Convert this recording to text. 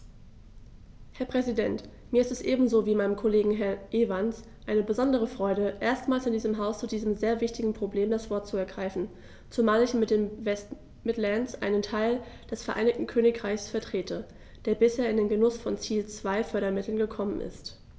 Herr Präsident, mir ist es ebenso wie meinem Kollegen Herrn Evans eine besondere Freude, erstmals in diesem Haus zu diesem sehr wichtigen Problem das Wort zu ergreifen, zumal ich mit den West Midlands einen Teil des Vereinigten Königreichs vertrete, der bisher in den Genuß von Ziel-2-Fördermitteln gekommen ist.